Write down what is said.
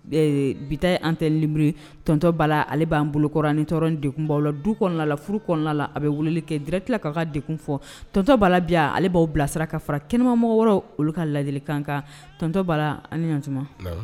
Bita an tɛ libri tɔntɔ bala la ale b'an bolokkɔrɔ dɔrɔn de kunba la du kɔnɔna la furu kɔnɔna a bɛ weleli kɛ dɛrɛti ka ka de fɔ tɔntɔ balabilaale b'aw bilasira ka fara kɛnɛmamɔgɔ wɔɔrɔ olu ka lajɛ lajɛlenli kan kan tɔntɔ bala antuma